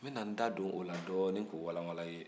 n bɛna n bɛna n da don o la dɔɔnin k'o walala i ye